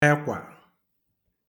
èkwà